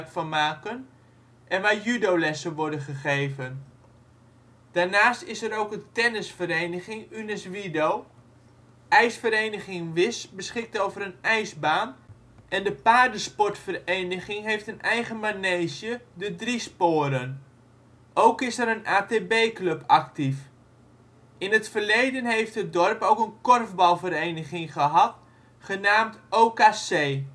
van maken en waar judolessen worden gegeven. Daarnaast is er ook een tennisvereniging Uneswido. IJsvereniging Wisch beschikt over een ijsbaan en de paardensportvereniging heeft een eigen manege De Driesporen. Ook is er een ATB-club actief. In het verleden heeft het dorp ook een korfbalvereniging gehad genaamd OKC